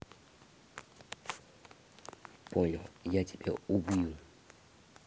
понял я тебя убью